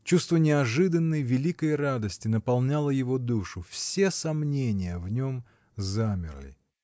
Чувство неожиданной, великой радости наполняло его душу все сомнения в нем замерли.